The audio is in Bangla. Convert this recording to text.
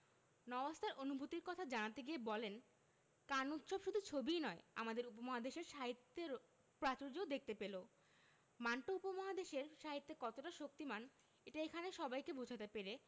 নওয়াজ তার অনুভূতির কথা জানাতে গিয়ে বলেন কান উৎসব শুধু ছবিই নয় আমাদের উপমহাদেশের সাহিত্যের প্রাচুর্যও দেখতে পেল মান্টো উপমহাদেশের সাহিত্যে কতটা শক্তিমান এটা এখানে সবাইকে বোঝাতে পেরে